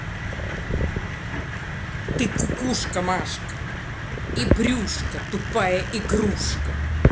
ты кукушка машка и брюшка тупая игрушка